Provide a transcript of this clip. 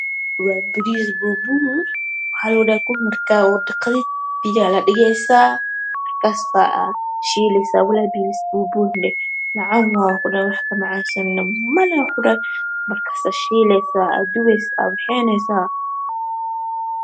Halka waxa yalo bariis oo biyo kudhex jiro